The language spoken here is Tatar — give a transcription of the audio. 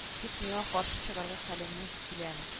Тик миңа каршы чыгарга хәлеңнән киләме